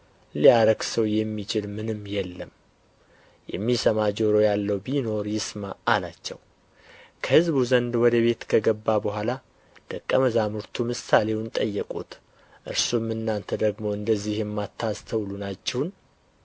ሊያረክሰው የሚችል ምንም የለም የሚሰማ ጆሮ ያለው ቢኖር ይስማ አላቸው ከሕዝቡ ዘንድ ወደ ቤት ከገባ በኋላ ደቀ መዛሙርቱ ምሳሌውን ጠየቁት እርሱም እናንተ ደግሞ እንደዚህ የማታስተውሉ ናችሁን